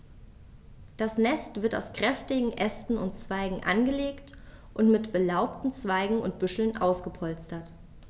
Das Nest wird aus kräftigen Ästen und Zweigen angelegt und mit belaubten Zweigen und Büscheln ausgepolstert.